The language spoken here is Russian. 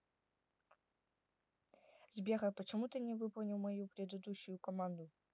сбер а почему ты не выполнил мою предыдущую команду